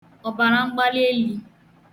ọ̀bàràmgbalieli